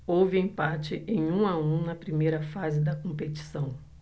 houve empate em um a um na primeira fase da competição